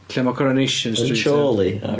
Lle mae Coronation Street... Yn Chorley?